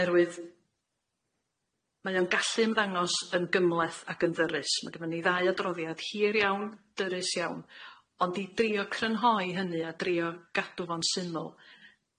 oherwydd mae o'n gallu ymddangos yn gymleth ac yn ddyrus ma' gynno ni ddau adroddiad hir iawn, dyrys iawn, ond i drio crynhoi hynny a drio gadw fo'n syml,